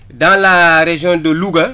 dans la région de Louga